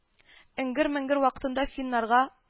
Эңгер-меңгер вакытында финнарга